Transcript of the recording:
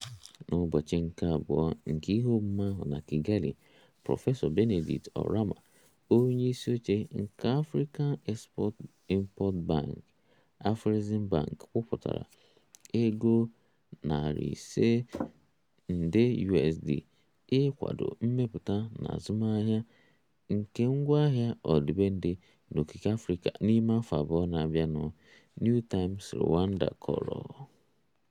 N'ụbọchị nke abụọ nke ihe omume ahụ na Kigali, prọfesọ Benedict Oramah, onye isi oche nke African Export-Import Bank (Afreximbank) kwupụtara ego $500 nde USD "ịkwado mmepụta na azụmaahịa nke ngwaahịa ọdịbendị na okike Africa" n'ime afọ abụọ na-abịanụ, New Times Rwanda kọrọ.